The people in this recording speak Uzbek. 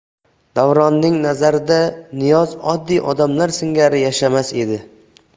davronning nazarida niyoz oddiy odamlar singari yashamas edi